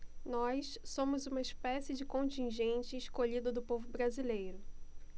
nós somos uma espécie de contingente escolhido do povo brasileiro